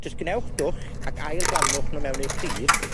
Jys gwnewch dwll, ac ail-blannwch nw mewn i'r pridd,